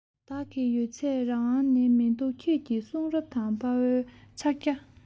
བདག གི ཡོད ཚད རང དབང ན མི འདུག ཁྱེད ཀྱི གསུང རབ དང དཔའ བོའི ཕྱག རྒྱ